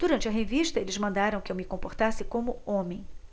durante a revista eles mandaram que eu me comportasse como homem